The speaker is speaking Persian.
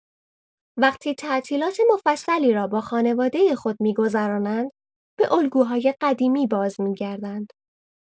وقتی تعطیلات مفصلی را با خانواده خود می‌گذرانند، به الگوهای قدیمی بازمی‌گردند.